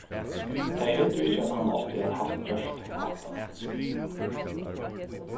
tey hildu ikki at hann átti at havt gjørt hatta